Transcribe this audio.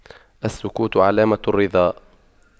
السكوت علامة الرضا